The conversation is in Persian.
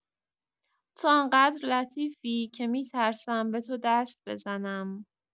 تو آن‌قدر لطیفی که می‌ترسم به تو دست بزنم.